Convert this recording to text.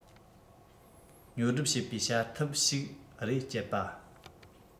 ཉོ སྒྲུབ བྱེད པའི བྱ ཐབས ཤིག རེད སྤྱད པ